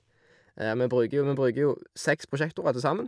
vi bruker jo Vi bruker jo seks prosjektorer til sammen.